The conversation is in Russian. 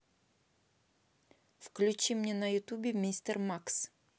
включите мне на ютубе мистер макс